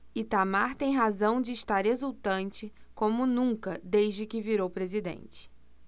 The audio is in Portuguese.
itamar tem razão de estar exultante como nunca desde que virou presidente